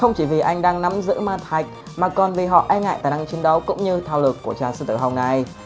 không chỉ vì anh đang nắm giữ ma thạch mà còn vì họ e ngại tài năng chiến đấu cũng như thao lược của chàng sư tử hồng này